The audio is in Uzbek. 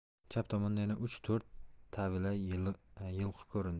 chap tomonda yana uch to'rt tavila yilqi ko'rindi